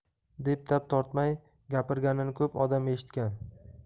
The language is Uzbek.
deb tap tortmay gapirganini ko'p odam eshitgan